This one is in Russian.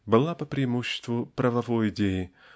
была по преимуществу правовой идеей